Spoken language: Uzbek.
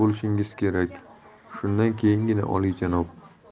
bo'lishingiz kerak shundan keyingina olijanob